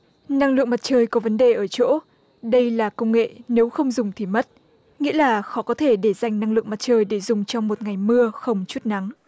năng lượng mặt trời có vấn đề ở chỗ đây là công nghệ nếu không dùng thì mất nghĩa là khó có thể để dành năng lượng mặt trời để dùng trong một ngày mưa không chút nắng